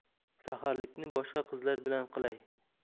saharlikni boshqa qizlar bilan qilay